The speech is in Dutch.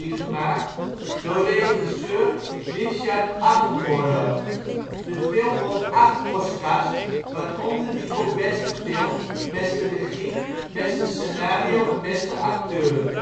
gemaakt door regisseur Richard Attenborough. De film won acht Oscars, waaronder die voor Beste Film, Beste Regie, Beste Scenario en Beste Acteur